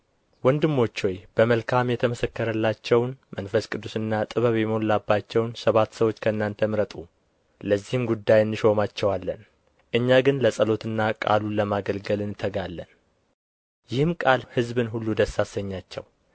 ወንድሞች ሆይ በመልካም የተመሰከረላቸውን መንፈስ ቅዱስና ጥበብም የሞላባቸውን ሰባት ሰዎች ከእናንተ ምረጡ ለዚህም ጉዳይ እንሾማቸዋለን እኛ ግን ለጸሎትና ቃሉን ለማገልገል እንተጋለን ይህም ቃል ሕዝብን ሁሉ ደስ አሰኛቸው